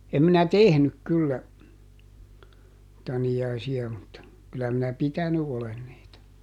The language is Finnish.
en minä tehnyt kyllä taniaisia mutta kyllä minä pitänyt olen niitä